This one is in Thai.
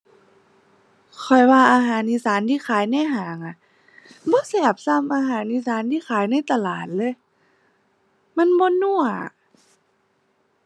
ข้อยว่าอาหารอีสานที่ขายในห้างอะ บ่แซ่บส่ำอาหารอีสานที่ขายในตลาดเลย มันบ่นัว